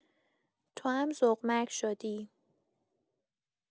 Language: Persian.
توام ذوق‌مرگ شدی